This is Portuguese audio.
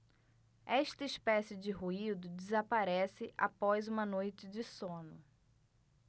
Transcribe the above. esta espécie de ruído desaparece após uma noite de sono